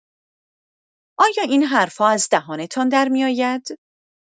آیا این حرف‌ها از دهانتان درمی‌آید؟